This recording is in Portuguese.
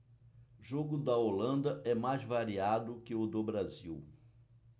jogo da holanda é mais variado que o do brasil